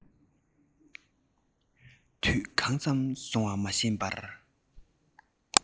དུས གང ཙམ སོང བ མ ཤེས པར